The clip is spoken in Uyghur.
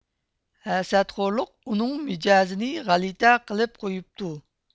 ھەسەتخورلۇق ئۇنىڭ مىجەزىنى غەلىتە قىلىپ قويۇپتۇ